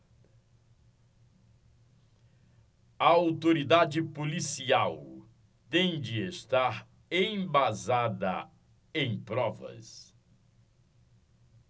a autoridade policial tem de estar embasada em provas